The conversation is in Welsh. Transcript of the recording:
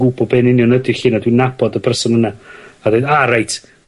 gwbo be' yn union ydi llun 'na. Dwi'n nabod y person yna. Wedyn a reit